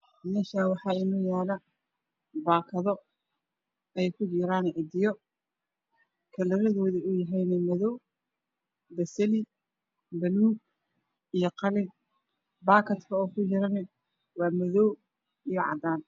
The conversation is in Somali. Meeshan waxa inooyaalo baakado ay kujiraan cidiyo kalaradooduna ay yihiin madow, buluug, basali, iyo qalin baakadka ay kujiraana waa madoow iyo cadaan